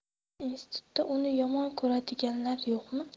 institutda uni yomon ko'radiganlar yo'qmi